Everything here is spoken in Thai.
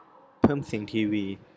เพิ่มเสียงทีวี